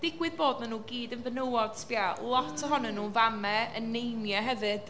Digwydd bod maen nhw i gyd yn fenywod, sbïa, lot... o ia. ...ohonyn nhw yn famau, yn neiniau hefyd.